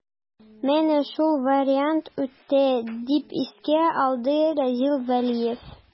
Менә шул вариант үтте, дип искә алды Разил Вәлиев.